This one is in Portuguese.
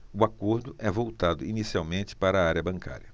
o acordo é voltado inicialmente para a área bancária